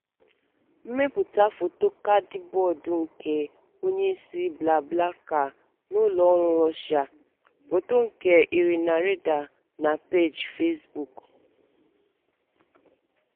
Mbepụta foto kaadịbọọdụ nke onyeisi BlaBlaCar n'ụlọọrụ Russia. Foto nke Irina Reyder na peeji Facebook.